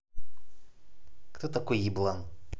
кто такой еблан